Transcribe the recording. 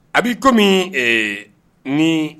A b'i ko min